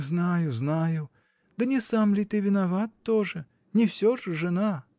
— Знаю, знаю, да не сам ли ты виноват тоже: не всё же жена?